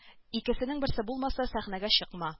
Икесенең берсе булмаса сәхнәгә чыкма